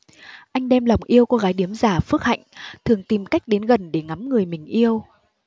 anh đem lòng yêu cô gái điếm già phước hạnh thường tìm cách đến gần để ngắm người mình yêu